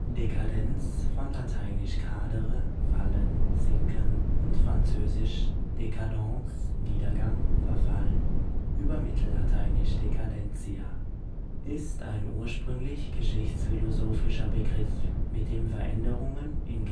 Dekadenz (von lat. cadere „ fallen “,„ sinken “, frz. décadence „ Niedergang “,„ Verfall “, über mlat. decadentia) ist ein ursprünglich geschichtsphilosophischer Begriff, mit dem Veränderungen in